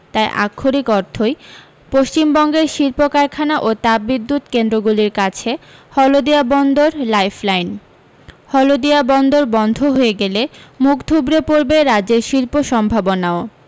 তাই আক্ষরিক অর্থই পশ্চিমবঙ্গের শিল্পকারখানা ও তাপবিদ্যুত কেন্দ্রগুলির কাছে হলদিয়া বন্দর লাইফ লাইন হলদিয়া বন্দর বন্ধ হয়ে গেলে মুখ থুবড়ে পড়বে রাজ্যের শিল্প সম্ভাবনাও